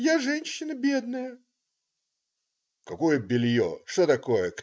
Я женщина бедная!" "Какое белье? что такое?